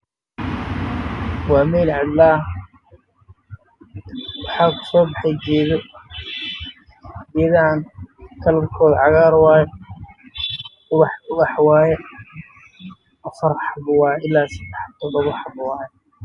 Waxaa ii muuqda geedo yaryar oo cayaaran